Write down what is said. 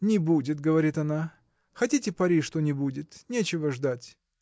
– Не будет, говорит она, хотите пари, что не будет? нечего ждать.